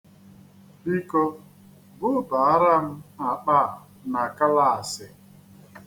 Biko bubaara m akpa a na klaasị.